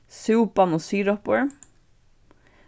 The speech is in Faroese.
súpan og siropur